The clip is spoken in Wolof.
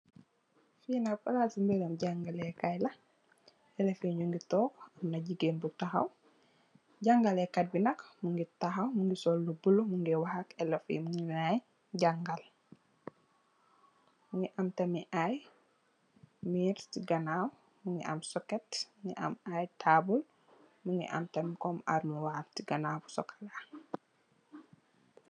Fii nak, palaas i mbirum jangalé kaay la elef yi ñu ngi toog, am na jigéen bu taxaw. Jangale kat bi nak, mu ngi taxaw, mu ngi sol lu bulo, mu ngee wax ak elef yi, muñg leen naa jàngal. Mu ngi am tamit, ay mirr si ganaaw, mu ngi am sokket, am ay taabul, mu ngi am tam kom ay almuwaar si ganaaw